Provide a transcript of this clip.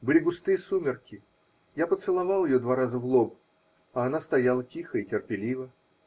были густые сумерки, я поцеловал ее два раза в лоб, а она стояла тихо и терпеливо.